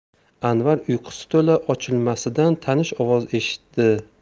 anvar uyqusi to'la ochilmasidan tanish ovoz eshitdi